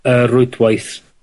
y rwydwaith